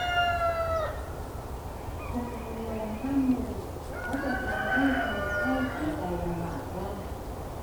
คนเป็นลมห้ามมุงเพราะจะทำให้คนไข้หายใจลำบากได้